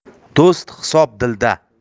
do'st hisobi dilda